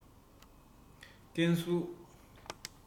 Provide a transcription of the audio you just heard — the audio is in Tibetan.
ཀན སུའུ